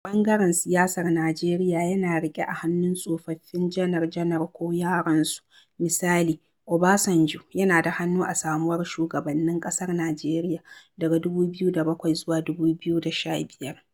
ɓangaren siyasar Najeriya yana riƙe a hannun tsofaffin janar-janar ko yaransu. Misali, Obasanjo, yana da hannu a samuwar shugabannin ƙasar Najeriya daga 2007 zuwa 2015.